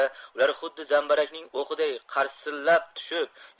ular xuddi zambarakning o'qiday qarsillab tushib